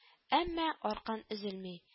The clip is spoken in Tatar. Әмма аркан өзелми